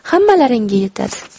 hammalaringga yetadi